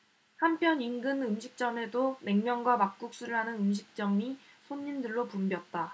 한편 인근 음식점에도 냉면과 막국수를 하는 음식점이 손님들로 붐볐다